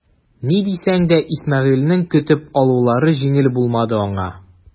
Ни дисәң дә Исмәгыйлен көтеп алулары җиңел булмады аңа.